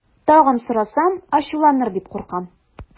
Тагын сорасам, ачуланыр дип куркам.